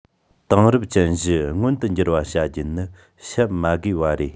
དེང རབས ཅན བཞི མངོན དུ འགྱུར བ བྱ རྒྱུ ནི བཤད མ དགོས པ རེད